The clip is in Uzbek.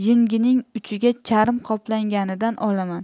yengining uchiga charm qoplanganidan olaman